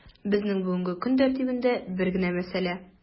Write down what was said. Безнең бүгенге көн тәртибендә бер генә мәсьәлә: